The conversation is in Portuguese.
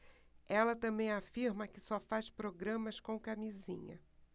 ela também afirma que só faz programas com camisinha